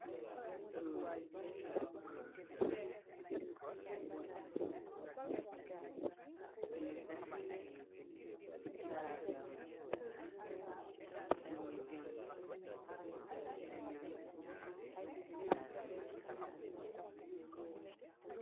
guur bu took di watu ni daf ay bind bind ci peggi ni ngi. Jël benn masini wate gaay nak tekko ci kaw boppobe diko wat.